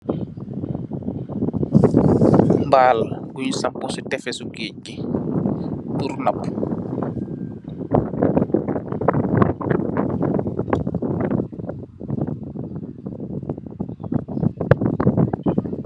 Mbaal guñg sampu ci tefesi geege gi, pur napu.